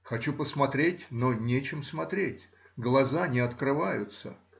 — хочу посмотреть, но нечем смотреть — глаза не открываются.